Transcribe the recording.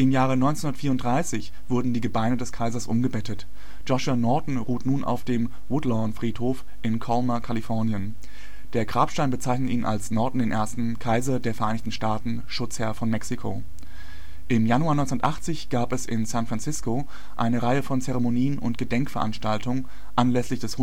Jahre 1934 wurden die Gebeine des Kaisers umgebettet. Joshua Norton ruht nun auf dem Woodlawn-Friedhof im Colma (Kalifornien). Der Grabstein bezeichnet ihn als „ Norton I., Kaiser der Vereinigten Staaten, Schutzherr von Mexiko “. Im Januar 1980 gab es in San Francisco eine Reihe von Zeremonien und Gedenkveranstaltungen anlässlich des